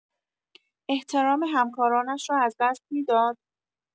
احترام همکارانش را از دست می‌داد؟